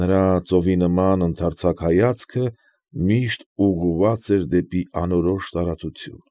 Նրա ծովի նման ընդարձակ հայացքը միշտ ուղղված էր դեպի անորոշ տարածություն։